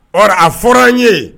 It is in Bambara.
Ɔ a fɔra an n ye